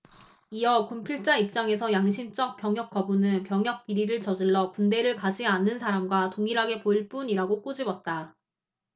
이어 군필자 입장에서 양심적 병역거부는 병역비리를 저질러 군대를 가지 않은 사람과 동일하게 보일 뿐이라고 꼬집었다